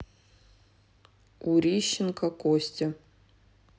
урищенко костя